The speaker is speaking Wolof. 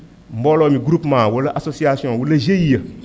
mbooloo mi groupement wala association wala GIE